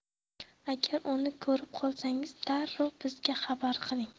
agar uni ko'rib qolsangiz darrov bizga xabar qiling